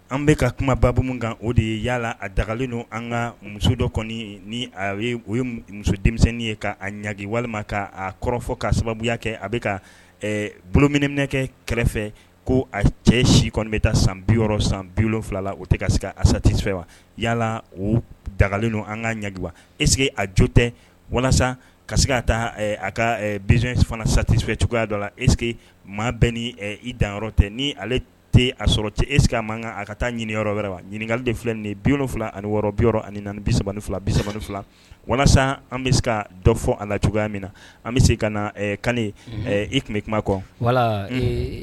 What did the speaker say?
An bɛka ka kumababa minnu kan o de ye yalala a dagali don an ka muso dɔ kɔni ni u ye muso denmisɛnnin ye k'a ɲaga walima'a kɔrɔfɔ ka sababuya kɛ a bɛ ka bolominɛminɛkɛ kɛrɛfɛ ko a cɛ si kɔni bɛ taa san bi san bilon wolonwula o ka se asati fɛ wa yalala o dagali don an ka ɲagawa ese a jo tɛ walasa ka se ka taa a ka bin fana satifɛ cogoyaya dɔ la ese maa bɛ ni i danyɔrɔ tɛ ni ale tɛ a sɔrɔ cɛ ese ma kan a ka taa ɲininyɔrɔ wɛrɛ wa ɲininkakali de filɛ nin bilonfila ani wɔɔrɔ bi ani bi fila bisa fila walasa an bɛ se ka dɔ fɔ a la cogoyaya min na an bɛ se ka kan i tun bɛ kuma kɔ wala